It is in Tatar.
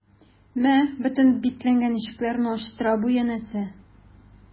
Мә, бөтен бикләнгән ишекләрне ачтыра бу, янәсе...